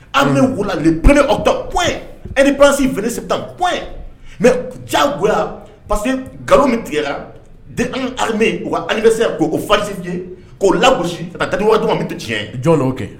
An bɛ wulali pɛ aw ka e ni baasi f se tan p mɛ jago parce que nkalonlo min tigɛla de an alime u wa ali se k'o fasi k'o lagosi ka taa wa jugu min tɛ tiɲɛ jɔn'o kɛ